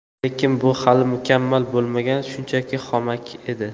lekin bu hali mukammal bo'lmagan shunchaki xomaki edi